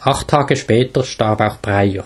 acht Tage später starb auch Breyer.